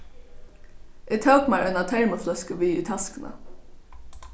eg tók mær eina termofløsku við í taskuna